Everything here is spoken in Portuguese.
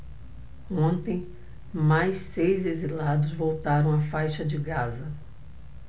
ontem mais seis exilados voltaram à faixa de gaza